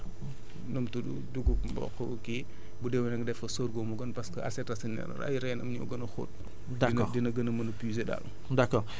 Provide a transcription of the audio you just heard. bu dee da nga fa def voilà donte du dugub mboq kii bu déwénee nga def fa sorgho moo gën parce que ** ay reenam ñoo gën a xóot